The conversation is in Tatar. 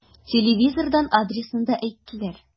Телевизордан адресын да әйттеләр.